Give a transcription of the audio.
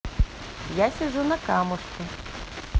я сижу на камушке